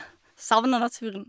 Savner naturen.